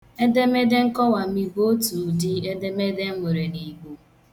Edemede nkọwami bụ otu udị edemede e nwere n'Igbo.